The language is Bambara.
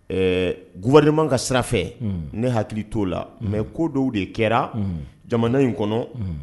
Ɛɛ buuwama ka sira ne hakili t'o la mɛ ko dɔw de kɛra jamana in kɔnɔ